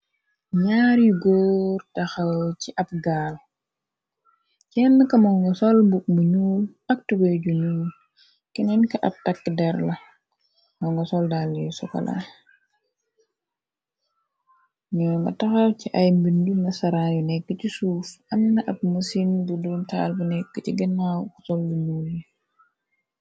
ñaar yu góor taxaw ci ab gaal kene ka moo ngo sol bu bu ñuul ak tubey ju ñuul keneen ka ab takk derla moo ngo soldal yu sokola ñooy ba taxaw ci ay mbindu na saran yu nekk ci suuf amna ab mësin bu duomtaal bu nekk ci gena ku sol bu ñuul yi